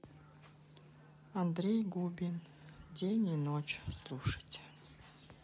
андрей губин день и ночь слушать